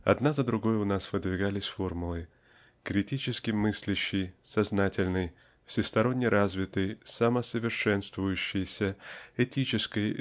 Одна за другой у нас выдвигались формулы критически мыслящей сознательной всесторонне развитой самосовершенствующейся этической